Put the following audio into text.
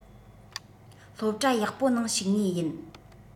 སློབ གྲྭ ཡག པོ ནང ཞུགས ངེས ཡིན